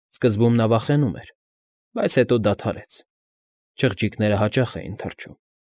Սկզբում նա վախենում էր, բայց հետո դադարեց՝ չղջիկները հաճախ էին թռչում։